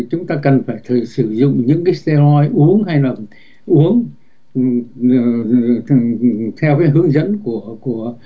chúng ta cần phải sử dụng những cái te noi uống hay là uống ừ ừ ờ theo cái hướng dẫn của của của